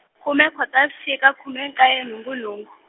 khume Khotavuxika khume nkaye nhungu nhungu.